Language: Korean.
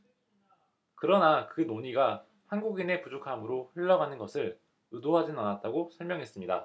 그러나 그 논의가 한국인의 부족함으로 흘러가는 것을 의도하진 않았다고 설명했습니다